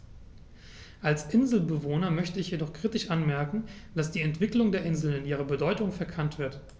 Als Inselbewohner möchte ich jedoch kritisch anmerken, dass die Entwicklung der Inseln in ihrer Bedeutung verkannt wird.